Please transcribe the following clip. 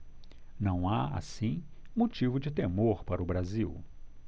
não há assim motivo de temor para o brasil